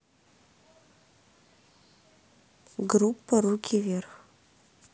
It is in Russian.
группа руки вверх